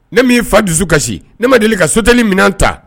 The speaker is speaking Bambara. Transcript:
Ne min fa dusu kasi, ne ma deli ka soute li minɛn ta